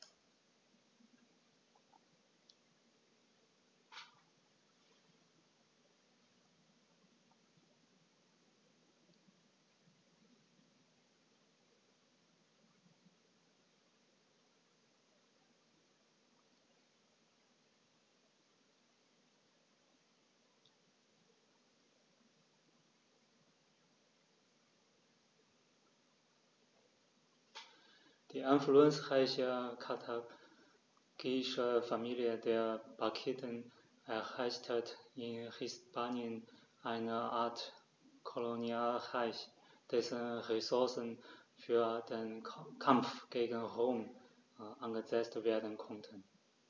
Die einflussreiche karthagische Familie der Barkiden errichtete in Hispanien eine Art Kolonialreich, dessen Ressourcen für den Kampf gegen Rom eingesetzt werden konnten.